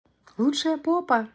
лучшая попа